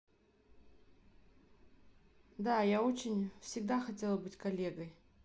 да я очень всегда хотела быть коллегой